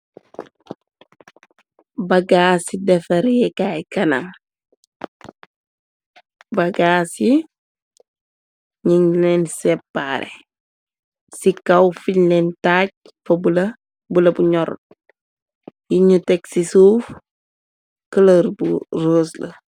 Bagaas ci defa reekaay kanam bagaas yi ñing leen seppaare ci kaw fiñ leen tajj dafa bulu bulu bo nurut nyu nu tek si suuf kuloor bu ros la.